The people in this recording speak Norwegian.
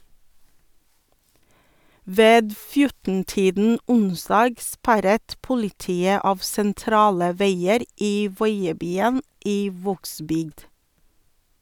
Ved 14-tiden onsdag sperret politiet av sentrale veier i Voiebyen i Vågsbygd.